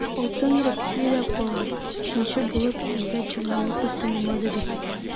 Әмма алтын Россиядә кала - өченче булып Илья Черноусов тәмамлады бит.